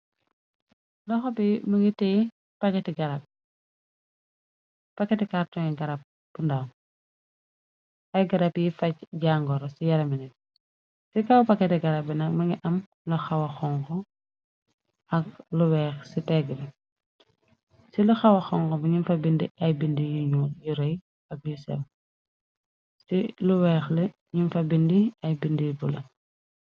Luxo bi më ngi tee pakketi garab pakketi càrton garab bu ndaaw ak garab yi faj jangoro ci yaramine ci kaw paketi garab bina mëngi am lu xawa xongo ak lu weex ci teggre ci lu xawa xong bi ñuñ fa bindi ay bindi yu ñuul yu rëy ak yu sew ci lu weex le ñuñ fa bindi ay bindir bu la